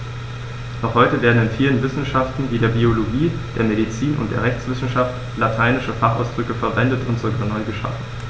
Noch heute werden in vielen Wissenschaften wie der Biologie, der Medizin und der Rechtswissenschaft lateinische Fachausdrücke verwendet und sogar neu geschaffen.